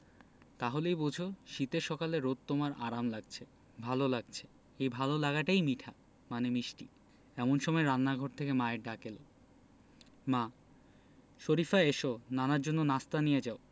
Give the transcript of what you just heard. তা হলেই বোঝ শীতের সকালে রোদে তোমার আরাম লাগছে ভালো লাগছে এই ভালো লাগাটাই মিঠা মানে মিষ্টি এমন সময় রান্নাঘর থেকে মায়ের ডাক এলো মা শরিফা এসো নানার জন্য নাশতা নিয়ে যাও